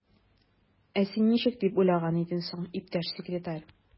Ә син ничек дип уйлаган идең соң, иптәш секретарь?